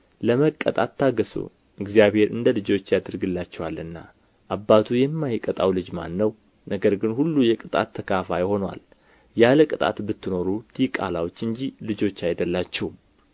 ለመቀጣት ታገሡ እግዚአብሔር እንደ ልጆች ያደርግላችኋልና አባቱ የማይቀጣው ልጅ ማን ነው ነገር ግን ሁሉ የቅጣት ተካፋይ ሆኖአልና ያለ ቅጣት ብትኖሩ ዲቃላዎች እንጂ ልጆች አይደላችሁም